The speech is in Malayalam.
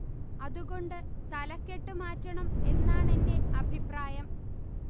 അതുകൊണ്ട് തലക്കെട്ട് മാറ്റണം എന്നാണെന്റെ അഭിപ്രായം